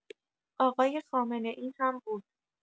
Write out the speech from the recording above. آقای خامنه‌ای هم بود.